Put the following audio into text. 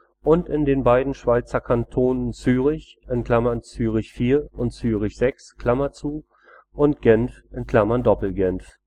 und in den beiden Schweizer Kantonen Zürich (Zürich 4 und Zürich 6) und Genf (Doppelgenf